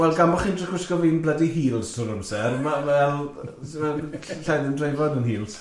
Wel, gan bo' chi'n dr'o wisgo fi'n bloody heels drwy'r amser, ma' fel, allai, ddim dreifo dim heels.